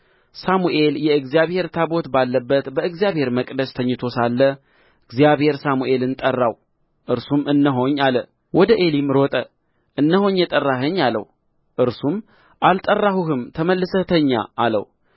ሳሙኤልም የእግዚአብሔር ታቦት ባለበት በእግዚአብሔር መቅደስ ተኝቶ ሳለ እግዚአብሔር ሳሙኤልን ጠራው እርሱም እነሆኝ አለ ወደ ዔሊም ሮጠ እነሆኝ የጠራኸኝ አለው እርሱም አልጠራሁህም ተመልሰህ ተኛ አለው